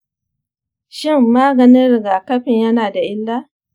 shin maganin rigakafin yana da illa?